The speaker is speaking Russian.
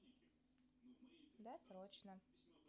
да срочно